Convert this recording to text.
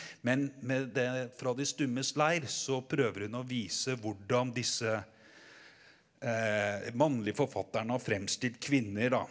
men med det Fra De Stummes Leir så prøver hun å vise hvordan disse mannlige forfatterne har fremstilt kvinner da,